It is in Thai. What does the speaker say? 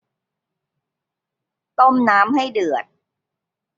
ต้มน้ำให้เดือด